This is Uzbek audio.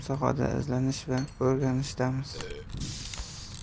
sohada izlanish va o'rganishdamiz